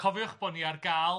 Cofiwch bo ni ar ga'l